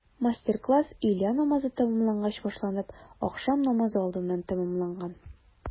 Мастер-класс өйлә намазы тәмамлангач башланып, ахшам намазы алдыннан тәмамланган.